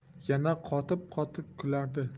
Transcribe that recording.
yana qotib qotib kulardi